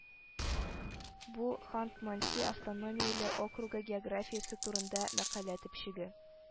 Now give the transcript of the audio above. Бу Хант-Манси автономияле округы географиясе турында мәкалә төпчеге